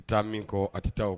taa min ko a tɛ taa